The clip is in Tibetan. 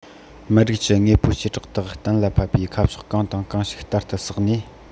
མིའི རིགས ཀྱིས དངོས པོའི བྱེ བྲག དག གཏན ལ ཕབ པའི ཁ ཕྱོགས གང དང གང ཞིག ལྟར ཏུ བསགས ནས